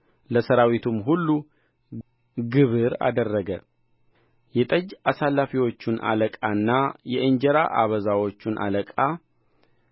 ለሠራዊቱም ሁሉ ግብር አደረገ የጠጅ አሳላፊዎቹን አለቃና የእንጀራ አበዛዎቹን አለቃ